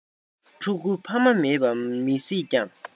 ཕྲུ གུ ཕ མ མེད པ མི སྲིད ཀྱང